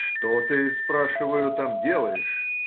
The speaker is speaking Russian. — Что ты,— спрашиваю,— там делаешь?